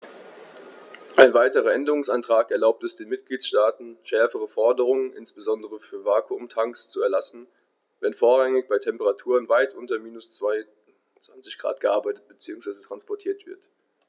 Ein weiterer Änderungsantrag erlaubt es den Mitgliedstaaten, schärfere Forderungen, insbesondere für Vakuumtanks, zu erlassen, wenn vorrangig bei Temperaturen weit unter minus 20º C gearbeitet bzw. transportiert wird.